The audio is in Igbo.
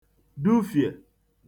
dufiè